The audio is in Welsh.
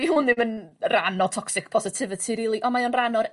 'Di hwn ddim yn ran o toxic positivity rili on' mae o'n ran o'r